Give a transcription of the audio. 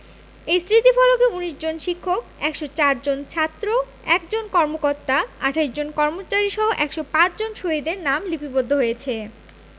এই স্থিতিফলকে ১৯ জন শিক্ষক ১০৪ জন ছাত্র ১ জন কর্মকর্তা ২৮ জন কর্মচারীসহ ১০৫ জন শহীদের নাম লিপিবদ্ধ হয়েছে